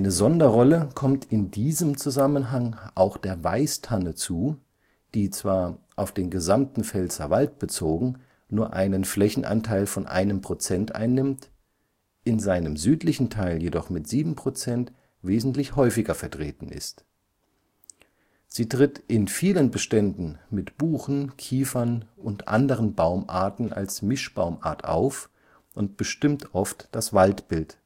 Sonderrolle kommt in diesem Zusammenhang auch der Weißtanne zu, die zwar, auf den gesamten Pfälzerwald bezogen, nur einen Flächenanteil von 1 Prozent einnimmt, in seinem südlichen Teil jedoch mit 7 Prozent wesentlich häufiger vertreten ist. Sie tritt in vielen Beständen mit Buchen, Kiefern und anderen Baumarten als Mischbaumart auf und bestimmt oft das Waldbild